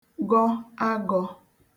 gọ agọ̄